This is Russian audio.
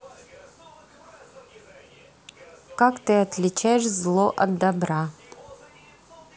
как ты отличаешь зло от добра